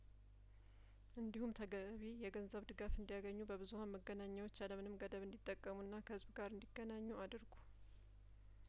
እንዲሁም ተገቢ የገንዘብ ድጋፍ እንዲያገኙ በብዙሀን መገናኛዎች ያለምንም ገደብ እንዲ ጠቀሙና ከህዝብ ጋር እንዲገናኙ አድርጉ